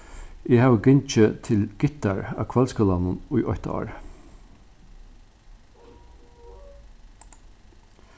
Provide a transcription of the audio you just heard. eg havi gingið til gittar á kvøldskúlanum í eitt ár